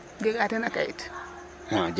Jegaa teen a kayit ?